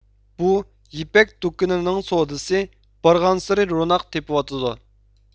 بۇ يىپەك دۇكىنىنىڭ سودىسى بارغانسىېرى روناق تېپىۋاتىدۇ